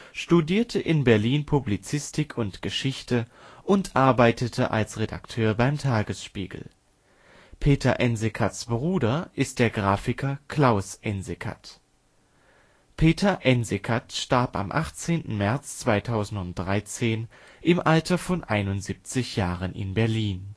studierte in Berlin Publizistik und Geschichte und arbeitet als Redakteur beim Tagesspiegel. Peter Ensikats Bruder ist der Grafiker Klaus Ensikat. Peter Ensikat starb am 18. März 2013 im Alter von 71 Jahren in